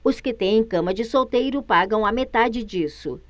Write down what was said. os que têm cama de solteiro pagam a metade disso